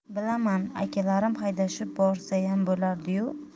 bilaman akalarim haydashib borsayam bo'lardiyu